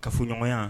Ka fɔɲɔgɔnya